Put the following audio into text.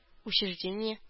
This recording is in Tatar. Учреждение